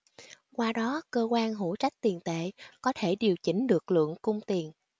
qua đó cơ quan hữu trách tiền tệ có thể điều chỉnh được lượng cung tiền